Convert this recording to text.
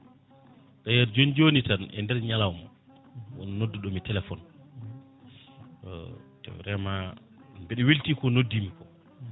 a yiyat joni joni tan e nder ñalawma won nodduɗomi téléphone te variment mbeɗo welti ko noddimi ko